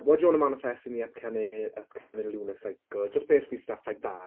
"What do you want to manifest in the upcomi- upcoming lunar cycle?" Just basically stuff like that.